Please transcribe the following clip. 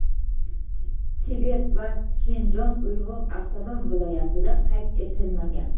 tibet va shinjon uyg'ur avtonom viloyatida qayd etilmagan